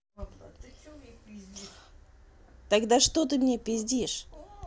тогда что ты мне пиздишь